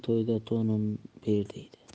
to'yda to'nim ber deydi